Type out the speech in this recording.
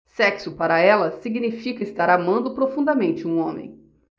sexo para ela significa estar amando profundamente um homem